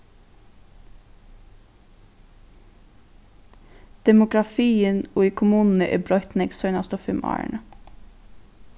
demografiin í kommununi er broytt nógv seinastu fimm árini